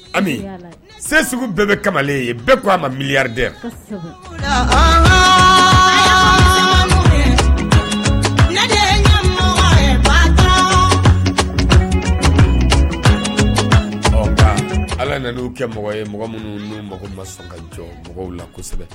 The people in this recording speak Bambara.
Segu sugu bɛɛ bɛ kamalen ye bɛɛ ko a ma miliri dɛ yan ala nana' kɛ mɔgɔ mɔgɔ minnu n mago masa mɔgɔw la kosɛbɛ